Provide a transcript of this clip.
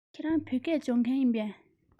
ཁྱེད རང བོད སྐད སྦྱོང མཁན ཡིན པས